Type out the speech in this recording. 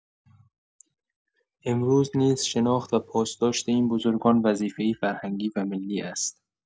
امروز نیز شناخت و پاسداشت این بزرگان وظیفه‌ای فرهنگی و ملی است.